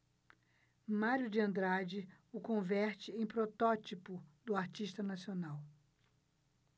mário de andrade o converte em protótipo do artista nacional